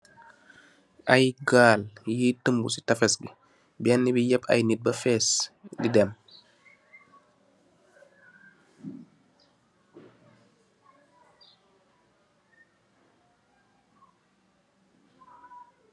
Ay gaal ye tambu si tefes ngi, benna bi yeeb ay nit ba fees di deem